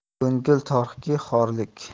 ko'ngil torhgi xorlik